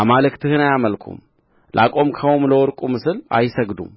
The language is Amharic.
አማልክትህን አያመልኩም ላቆምኸውም ለወርቁ ምስል አይሰግዱም